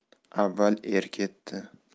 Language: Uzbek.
avval er ketdi